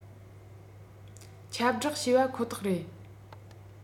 ཁྱབ བསྒྲགས བྱས པ ཁོ ཐག རེད